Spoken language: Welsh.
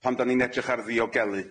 pan 'dan ni'n edrych ar ddiogelu.